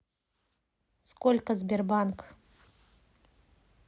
сколько сбербанк